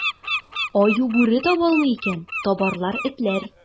Аю, бүре таба алмый икән, табарлар этләр.